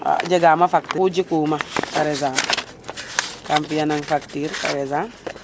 jega ma facture ku jik wuma parexemple kam fiya nanga facture parexemple